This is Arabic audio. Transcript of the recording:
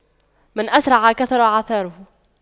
من أسرع كثر عثاره